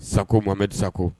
Sagokɔ mame sakɔ